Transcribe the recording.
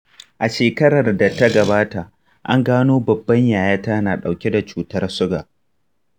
a shekarar da ta gabata an gano babbar yayata na ɗauke da cutar suga.